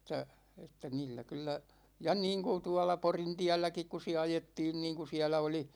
että että niillä kyllä ja niin kuin tuolla Porintielläkin kun siellä ajettiin niin kun siellä oli